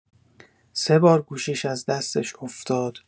سه بار گوشیش از دستش افتاد!